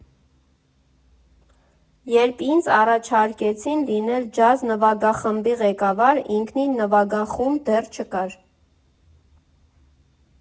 Երբ ինձ առաջարկեցին լինել ջազ նվագախմբի ղեկավար, ինքնին նվագախումբ դեռ չկար։